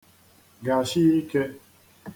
gàshi īkē